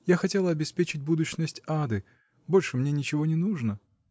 я хотела обеспечить будущность Ады больше мне ничего не нужно.